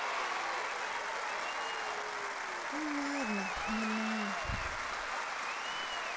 ну ладно не ной